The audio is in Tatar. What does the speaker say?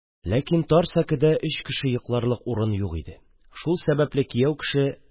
Ләкин тар сәкедә өч кеше йокларлык урын юк иде, шул сәбәпле кияү кеше,